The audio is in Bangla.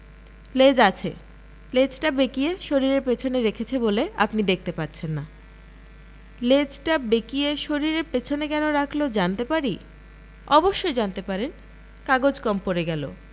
লেজ আছে লেজটা বেঁকিয়ে শরীরের পেছনে রেখেছে বলে আপনি দেখতে পাচ্ছেন না লেজটা বেঁকিয়ে শরীরের পেছনে কেন রাখল জানতে পারি অবশ্যই জানতে পারেন কাগজ কম পড়ে গেল